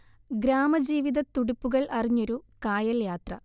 ഗ്രാമജീവിത തുടിപ്പുകൾ അറിഞ്ഞൊരു കായൽ യാത്ര